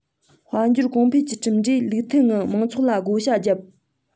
དཔལ འབྱོར གོང འཕེལ གྱི གྲུབ འབྲས ལུགས མཐུན ངང མང ཚོགས ལ བགོ བཤའ བརྒྱབ